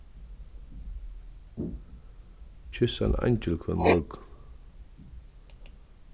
kyss ein eingil hvønn morgun